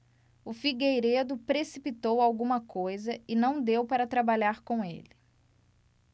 o figueiredo precipitou alguma coisa e não deu para trabalhar com ele